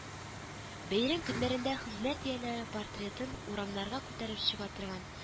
Бәйрәм көннәрендә хезмәт ияләре портретын урамнарга күтәреп чыга торган